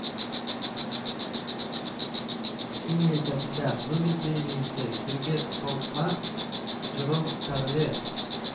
Химия өлкәсендә Нобель премиясе Херберт Хауптман, Джером Карле